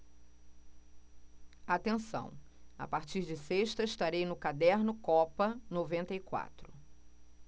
atenção a partir de sexta estarei no caderno copa noventa e quatro